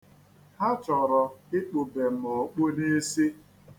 Ha chọrọ ikpube m okpu n'isi.